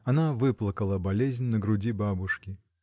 Она выплакала болезнь на груди бабушки.